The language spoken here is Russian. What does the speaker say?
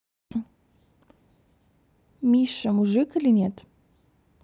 misha мужик или нет